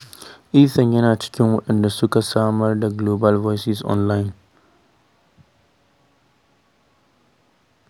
Ethan yana cikin waɗanda suka samar da Global Voices Online.